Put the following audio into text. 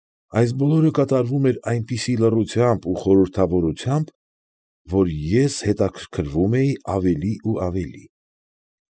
Այս բոլորը կատարվում էր այնպիսի լռությամբ ու խորհրդավորությամբ, որ ես հետաքրքրվում էի ավելի ու ավելի։